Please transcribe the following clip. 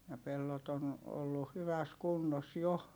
ja pellot on ollut hyvässä kunnossa jo